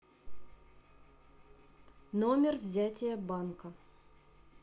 номер взятие банка